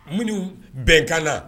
Minnu bɛnkan